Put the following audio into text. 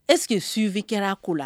Ɛsseke subi kɛra ko la